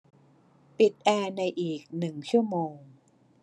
ปิดแอร์ในอีกหนึ่งชั่วโมง